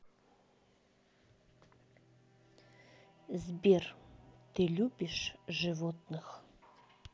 сбер ты любишь животных